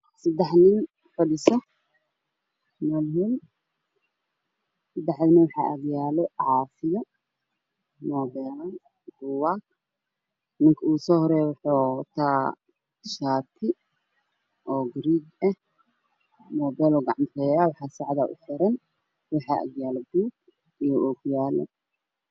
Seddex nin fadhiso meel hool waxaa agyaalo biyo caafi iyo muubeelo, buugaag. ninka ugu soohoreeyo waxuu wataa shaati gariig ah muubeelna gacanta ayuu kuhayaa, saacad ayaa agyaalo iyo ookiyaalo.